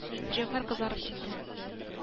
Җәүһәр кызарып китте